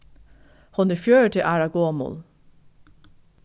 hon er fjøruti ára gomul